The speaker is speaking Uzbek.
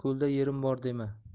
ko'lda yerim bor dema